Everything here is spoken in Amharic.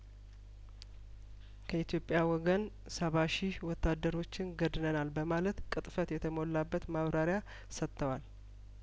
ከኢትዮጵያ ወገን ሰባ ሺህ ወታደሮችን ገድለናል በማለት ቅጥፈት የተሞላ በት ማብራሪያሰጥተዋል